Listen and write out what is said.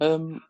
Yym